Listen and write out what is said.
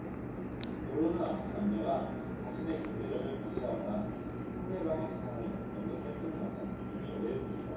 결혼을 앞둔 남녀가 자신의 경제력을 과시하거나 상대방의 재산을 먼저 살피는 것은 이미 오래된 일이다